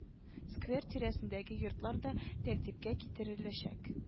Сквер тирәсендәге йортлар да тәртипкә китереләчәк